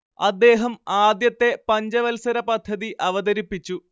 അദ്ദേഹം ആദ്യത്തെ പഞ്ചവത്സര പദ്ധതി അവതരിപ്പിച്ചു